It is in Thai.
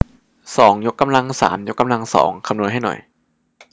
สองยกกำลังสามยกกำลังสองคำนวณให้หน่อย